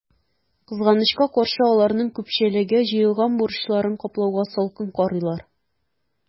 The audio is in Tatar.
Кызганычка каршы, аларның күпчелеге җыелган бурычларын каплауга салкын карыйлар.